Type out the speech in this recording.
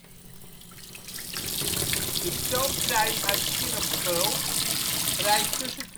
stoomtrein uit Schin op Geul rijdt tussen